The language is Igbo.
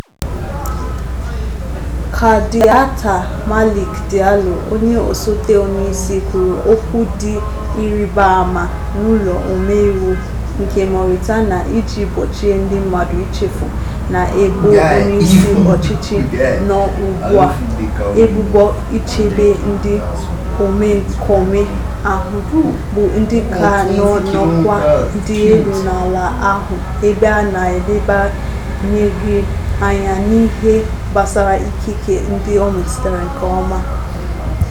Kardiata Malick Diallo, onye osote onyeisi, kwuru okwu dị ịrịba ama n'ụlọ omeiwu nke Mauritania iji gbochie ndị mmadụ ichefu, na-ebo onye isi ọchịchị nọ ugbu a ebubo ichebe ndị omekome ahụ, bụ ndị ka nọ n'ọkwa dị elu n'ala ahụ ebe a na-elebanyebeghị anya n'ihe gbasara ikike ndị o metụtara nke ọma: